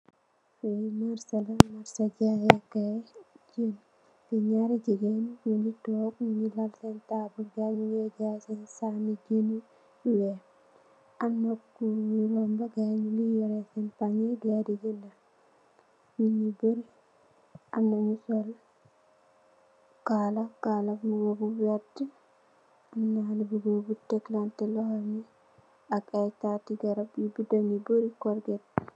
Lii marse la, marse jààyé kaay. Ñaari jigéen ñu ngi toog, lal seen taabul, gaayi ñu ngee jaay seen saami jën yu weex, am kuy romba, gaayi ñu ngi tiye seen pañe, gaayi ñu ngee janda. Nit ñu barri, am na ñu sol kaala, kaala bu werta, am na xalé bu góor bu teklaante loxom yi, ak ay taati garab yu barri.